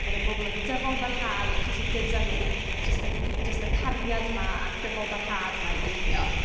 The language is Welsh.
Oedd y bobl yn dyfalbarhau achos oedd gyda nhw jyst y- jyst y cariad 'ma a'r dyfalbarhad 'ma i weithio.